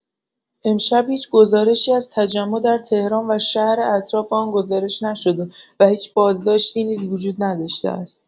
امشب هیچ گزارشی از تجمع در تهران و شهر اطراف آن گزارش نشده و هیچ بازداشتی نیز وجود نداشته است.